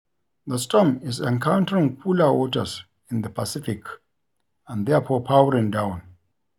The storm is encountering cooler waters in the Pacific and therefore powering down.